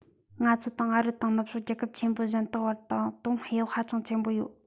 ང ཚོ དང ཨ རི དང ནུབ ཕྱོགས རྒྱལ ཁབ ཆེན པོ གཞན བར ད དུང ཧེ བག ཧ ཅང ཆེན པོ ཡོད